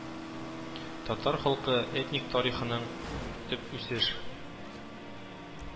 Татар халкы этник тарихының төп үсеш